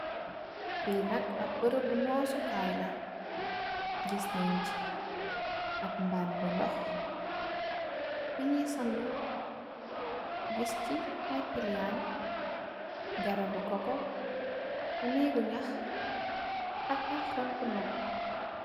Fi nak ap berembu nosu kai la gis nen si ap banni ndox bu nyui sangu gis si ay pilan garabi coco neegu naah ak ay xonxu nopu.